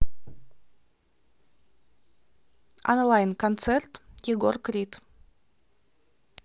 онлайн концерт егор крид